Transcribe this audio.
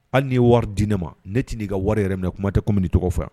Hali n'i ye wari di ne ma ne tɛn'i ka wari yɛrɛ minɛ kuma tɛ ko n bɛn'i tɔgɔ fɔ yan